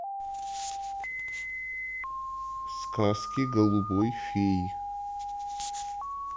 сказки голубой феи